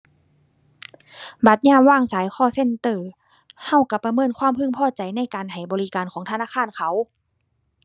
บัดยามวางสาย call center เราเราประเมินความพึงพอใจในการให้บริการของธนาคารเขา